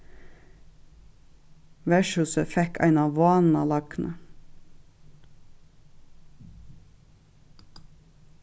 vertshúsið fekk eina vána lagnu